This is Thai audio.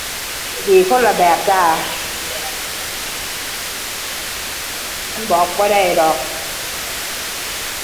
ดีคนละแบบจ้า มันบอกบ่ได้ดอก